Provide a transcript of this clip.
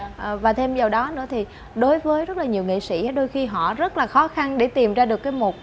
à và thêm vào đó nữa thì đối với rất là nhiều nghệ sĩ đôi khi họ rất là khó khăn để tìm ra được cái một